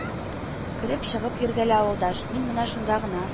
Кереп-чыгып йөргәлә, авылдаш, мин менә шунда гына